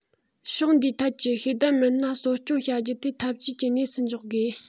ཕྱོགས འདིའི ཐད ཀྱི ཤེས ལྡན མི སྣ གསོ སྐྱོང བྱ རྒྱུ དེ འཐབ ཇུས ཀྱི གནས སུ འཇོག དགོས